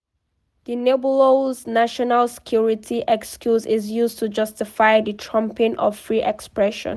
The nebulous "national security" excuse is used to justify the trumping of free expression.